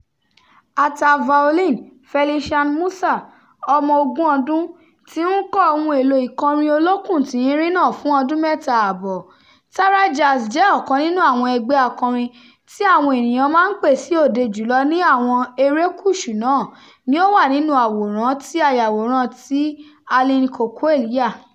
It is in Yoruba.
Ata violin, Felician Mussa, ọmọ ogún ọdún, ti ń kọ́ ohun èlò ìkọrin olókùn tín-ín-rín náà fún ọdún mẹ́ta àtààbọ̀; TaraJazz jẹ́ ọ̀kan nínú àwọn ẹgbẹ́ akọrin tí ó àwọn ènìyàn máa ń pè sí òde jù lọ ní àwọn erékùṣù náà, ni ó wà nínú àwòrán tí ayàwòrán tí Aline Coquelle yà: